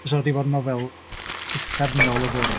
Fysa fo 'di bod yn nofel uffernol o boring.